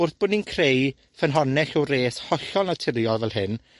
wrth bo' ni'n creu ffynhonnell o 'wres hollol naturiol fel hyn